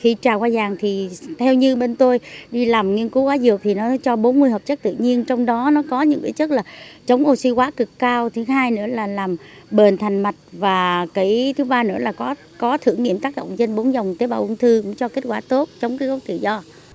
khi cha qua giang thì theo như bên tôi đi làm nghiên cứu quá nhiều thì nói cho bốn mươi hợp chất tự nhiên trong đó nó có những chất chống oxy hóa cực cao thứ hai nữa là làm bền thành mạch và kỷ thứ ba nữa là có có thử nghiệm tác động trên bốn dòng tế bào ung thư cho kết quả tốt chống gốc tự do